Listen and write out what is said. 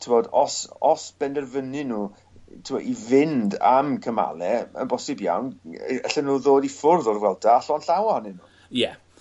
t'mod os os benderfynyn n'w t'mo i fynd am cymale yn bosib iawn allen n'w ddod i ffwrdd o'r Vuelta a llond llaw ohynn n'w. Ie.